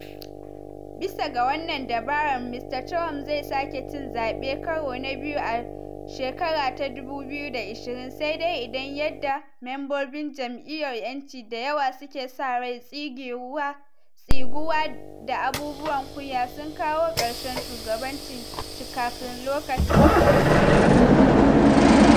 Bisa ga wannan dabarar, Mr. Trump zai sake cin zabe karo na biu a 2020 sai dai idan, yadda mambobin jam’iyyar ‘yanci da yawa suke sa rai, tsiguwa da abubuwan kunya sun kawo karshen shugabancin shi kafin lokacin sa.